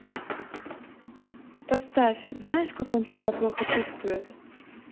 поставь знаешь как он себя плохо чувствует